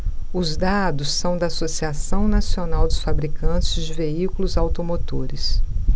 os dados são da anfavea associação nacional dos fabricantes de veículos automotores